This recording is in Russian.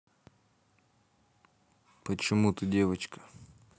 почему ты девочка